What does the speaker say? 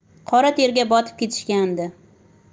qora terga botib ketishgandi